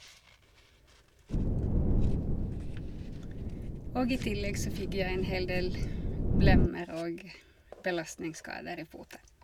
Og i tillegg så fikk jeg en hel del blemmer og belastningsskader i foten.